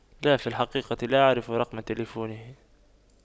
لا في الحقيقة لا اعرف رقم تلفونه